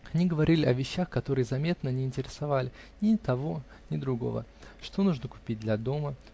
Они говорили о вещах, которые заметно не интересовали ни того, ни другого: что нужно купить для дома?